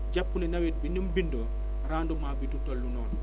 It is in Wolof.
jàpp ne nawet bi ni mu bindoo rendement bi du toll noonu